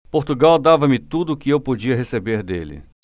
portugal dava-me tudo o que eu podia receber dele